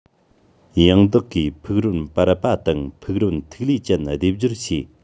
ཡང བདག གིས ཕུན རོན པར པཱ དང ཕུག རོན ཐིག ལེ ཅན སྡེབ སྦྱོར བྱས